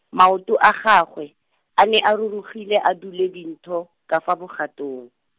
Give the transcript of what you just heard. maoto a gagwe, a ne a rurugile a dule dintho, ka fa bogatong.